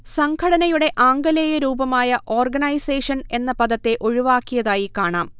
സംഘടനയുടെ ആംഗലേയ രൂപമായ ഓർഗനൈസേഷൻ എന്ന പദത്തെ ഒഴിവാക്കിയതായി കാണാം